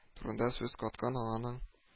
Турында сүз каткан аганың